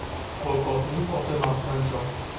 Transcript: qo'rqoqning oti maqtanchoq